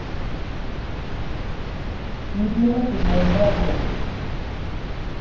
мне плевать на твои траблы